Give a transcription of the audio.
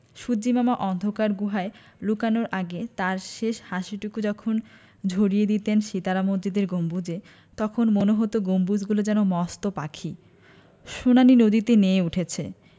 সূর্য্যিমামা অন্ধকার গুহায় লুকানোর আগে তাঁর শেষ হাসিটুকু যখন ঝরিয়ে দিতেন সিতারা মসজিদের গম্বুজে তখন মনে হতো গম্বুজগুলো যেন মস্ত পাখি সোনালি নদীতে নেয়ে উঠেছে